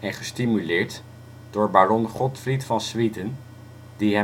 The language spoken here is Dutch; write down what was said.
gestimuleerd door baron Gottfried van Swieten, die